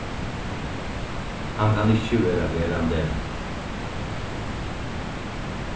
hann kann ikki verða verandi